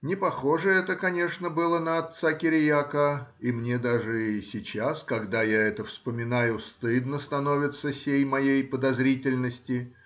Не похоже это, конечно, было на отца Кириака, и мне даже и сейчас, когда я это вспоминаю, стыдно становится сей моей подозрительности